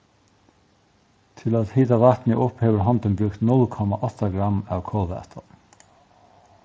til at hita vatnið upp hevur hondin brúkt null komma átta gramm av kolvætu